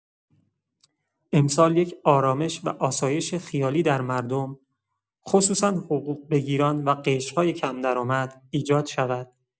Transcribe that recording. امسال یک آرامش و آسایش خیالی در مردم، خصوصا حقوق‌بگیران و قشرهای کم‌درآمد ایجاد شود.